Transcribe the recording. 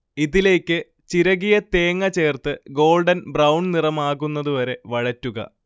ഇതിലേക്ക് ചിരകിയ തേങ്ങ ചേർത്ത് ഗോൾഡൻ ബ്രൌൺ നിറമാകുന്നതുവരെ വഴറ്റുക